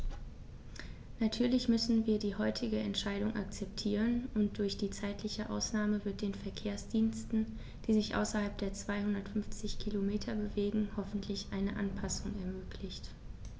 Natürlich müssen wir die heutige Entscheidung akzeptieren, und durch die zeitliche Ausnahme wird den Verkehrsdiensten, die sich außerhalb der 250 Kilometer bewegen, hoffentlich eine Anpassung ermöglicht.